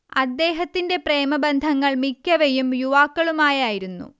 അദ്ദേഹത്തിന്റെ പ്രേമബന്ധങ്ങൾ മിക്കവയും യുവാക്കളുമായായിരുന്നു